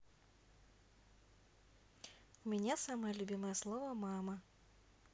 у меня самое любимое слово мама